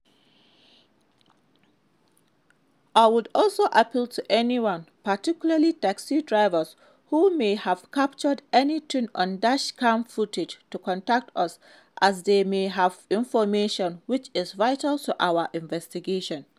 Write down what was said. I would also appeal to anyone, particularly taxi drivers, who may have captured anything on dashcam footage to contact us as they may have information which is vital to our investigation.'